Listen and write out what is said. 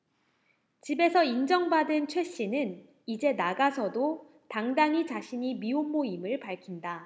집에서 인정받은 최 씨는 이제 나가서도 당당히 자신이 미혼모임을 밝힌다